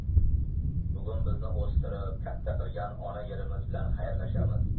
bugun bizni o'stirib katta qilgan ona yerimiz bilan xayrlashamiz